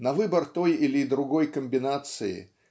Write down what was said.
На выбор той или другой комбинации